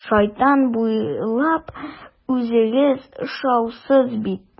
Шайтан буйлап үзегез шуасыз бит.